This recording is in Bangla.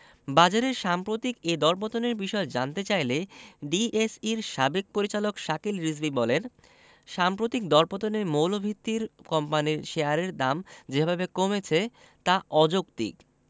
বাজারের সাম্প্রতিক এ দরপতনের বিষয়ে জানতে চাইলে ডিএসইর সাবেক পরিচালক শাকিল রিজভী বলেন সাম্প্রতিক দরপতনে মৌলভিত্তির কোম্পানির শেয়ারের দাম যেভাবে কমেছে তা অযৌক্তিক